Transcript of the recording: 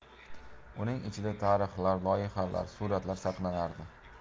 uning ichida tarhlar loyihalar suratlar saqlanardi